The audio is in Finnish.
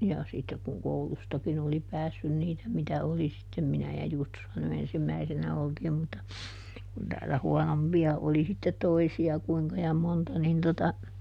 ja sitten kun koulustakin oli päässyt niitä mitä oli sitten minä ja Justushan nyt ensimmäisinä oltiin mutta kun täällä huonompia oli sitten toisia kuinka ja monta niin tuota